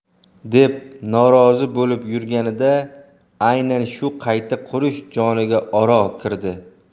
deb norozi bo'lib yurganida aynan shu qayta qurish joniga ora kirdi